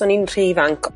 oni'n rhy ifanc.